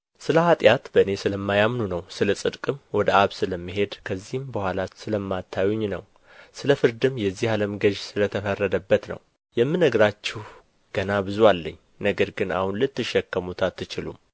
ስለ ኃጢአት በእኔ ስለማያምኑ ነው ስለ ጽድቅም ወደ አብ ስለምሄድ ከዚህም በኋላ ስለማታዩኝ ነው ስለ ፍርድም የዚህ ዓለም ገዥ ስለ ተፈረደበት ነው የምነግራችሁ ገና ብዙ አለኝ ነገር ግን አሁን ልትሸከሙት አትችሉም